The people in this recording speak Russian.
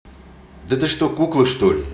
да ты что кукла что ли